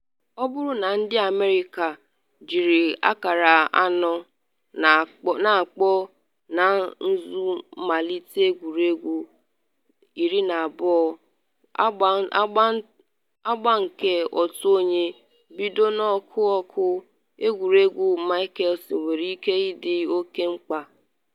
Ọ bụrụ na ndị America, jiri akara anọ n’akpụ n’azụ malite egwuregwu 12 agba nke otu onye, bido n’ọkụ ọkụ, egwuregwu Mickelson nwere ike ịdị oke mkpa.